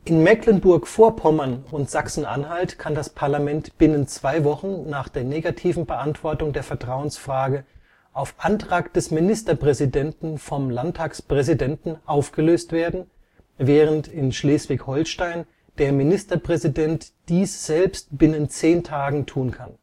Mecklenburg-Vorpommern und Sachsen-Anhalt kann das Parlament binnen zwei Wochen nach der negativen Beantwortung der Vertrauensfrage auf Antrag des Ministerpräsidenten vom Landtagspräsidenten aufgelöst werden, während in Schleswig-Holstein der Ministerpräsident dies selbst binnen zehn Tagen tun kann